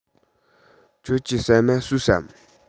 ཁྱེད ཀྱིས ཟ མ ཟོས སམ